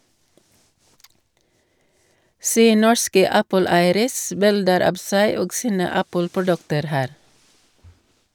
Se norske Apple-eieres bilder av seg og sine Apple-produkter her!